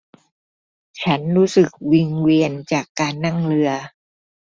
ฉันรู้สึกวิงเวียนจากการนั่งเรือ